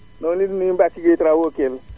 maa ngi leen di nuyu Mbacke Gueye * Kelle